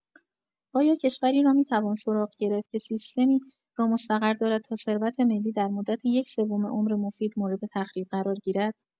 آیا کشوری را می‌توان سراغ گرفت که سیستمی را مستقر دارد تا ثروت ملی در مدت یک‌سوم عمر مفید مورد تخریب قرار گیرد؟